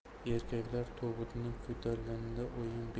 erkaklar tobutni ko'tarishganida oyim